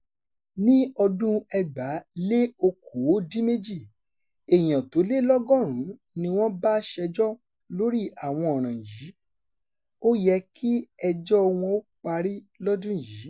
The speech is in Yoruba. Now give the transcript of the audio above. Ní 2018, èèyàn tó lé lọ́gọ́rùn-ún ni wọ́n bá ṣẹjọ́ lórí àwọn ọ̀ràn yìí. Ó yẹ kí ẹjọ́ọ wọn ó parí lọ́dún yìí.